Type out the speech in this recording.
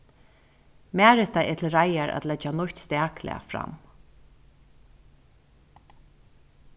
marita er til reiðar at leggja nýtt staklag fram